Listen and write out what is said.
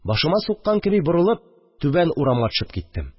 Башыма суккан кеби, борылып, түбән урамга төшеп киттем